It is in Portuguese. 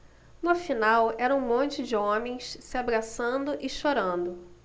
no final era um monte de homens se abraçando e chorando